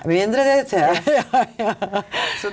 mindre DDT ja .